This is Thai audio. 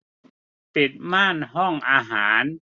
ปิดม่านห้องอาหาร